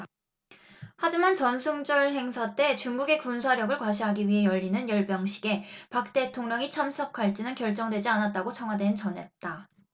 하지만 전승절 행사 때 중국의 군사력을 과시하기 위해 열리는 열병식에 박 대통령이 참석할지는 결정되지 않았다고 청와대는 전했다